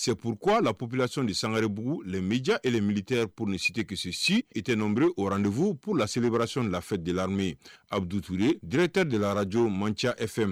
C'est pourquoi la population de sangarébougou, les médias et les militaires pour ne citer que ceux ci, étaient nombreux au rendez vous pour la célébration de la fête de l'armée, Abdou Touré, Directeur de la radio Mantia FM